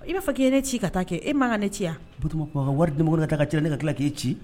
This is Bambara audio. I b'a k'i ne ci ka taa kɛ e ma kan ka ne ci yan o ko' a ka wari denkɛ la da ka cɛ ne ka tila k'e ci